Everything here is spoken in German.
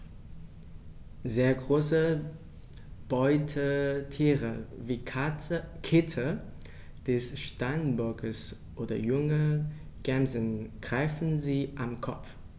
Sehr große Beutetiere wie Kitze des Steinbocks oder junge Gämsen greifen sie am Kopf.